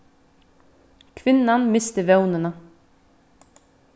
kvinnan misti vónina